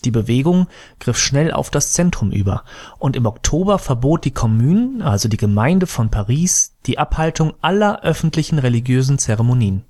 Bewegung griff schnell auf das Zentrum über, und im Oktober verbot die commune (Gemeinde) von Paris die Abhaltung aller öffentlichen religiösen Zeremonien